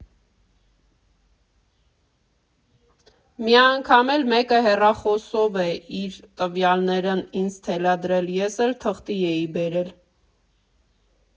Մի անգամ էլ մեկը հեռախոսով է իր տվյալներն ինձ թելադրել, ես էլ թղթի էի բերել։